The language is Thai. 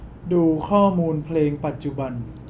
ดูข้อมูลเพลงปัจจุบัน